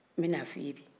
n bɛna fɔ i ye